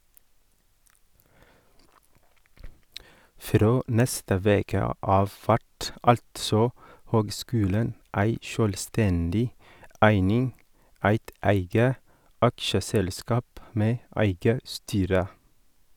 Frå neste veke av vert altså høgskulen ei sjølvstendig eining, eit eige aksjeselskap med eige styre.